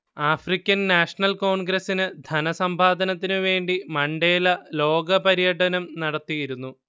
African National കോൺഗ്രസ്സിന് ധനസമ്പാദനത്തിനു വേണ്ടി മണ്ടേല ലോകപര്യടനം നടത്തിയിരുന്നു